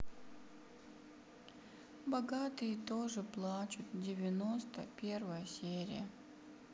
богатые тоже плачут девяносто первая серия